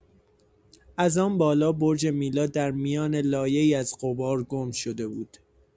از آن بالا، برج میلاد در میان لایه‌ای از غبار گم شده بود.